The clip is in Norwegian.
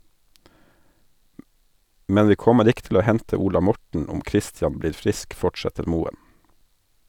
Men vi kommer ikke til å hente Ola Morten om Kristian blir frisk, fortsetter Moen.